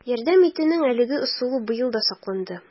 Ярдәм итүнең әлеге ысулы быел да сакланды: